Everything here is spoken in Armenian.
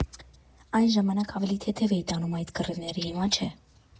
Այն ժամանակ ավելի թեթև էի տանում այդ կռիվները, հիմա՝ չէ։